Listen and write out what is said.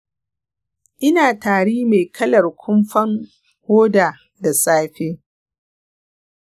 ina tari mai kalar kumfan hoda da safe.